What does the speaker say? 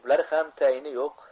bular ham tayini yo'q